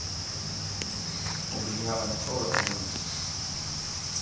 hon vildi hava eina stóra familju